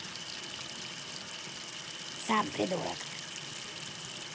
сам придурок